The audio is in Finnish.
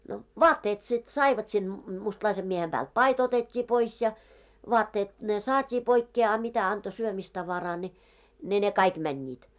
no vaatteet sitten saivat sillä mustalaisen miehen päältä paita otettiin pois ja vaatteet ne saatiin pois a mitä antoi syömistavaraa niin ne ne kaikki menivät